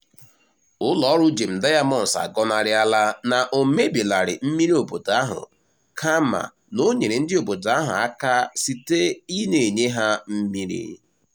Ụlọọrụ Gem Diamonds agọnarịala na ọ mebielarị mmiri obodo ahụ kama na o nyere ndị obodo ahụ aka site ị na-enye ha mmiri.